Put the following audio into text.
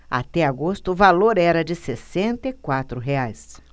até agosto o valor era de sessenta e quatro reais